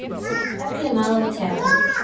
спектакли малого театра